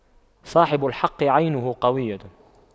صاحب الحق عينه قوية